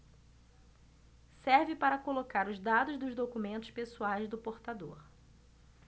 serve para colocar os dados dos documentos pessoais do portador